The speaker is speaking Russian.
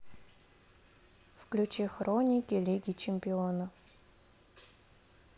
включи хроники лиги чемпионов